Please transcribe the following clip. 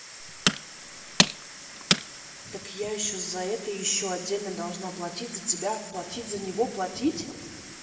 так я еще за это еще отдельно должна платить за тебя платить за него платить